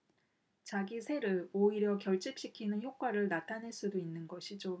자기 세를 오히려 결집시키는 효과를 나타낼 수도 있는 것이죠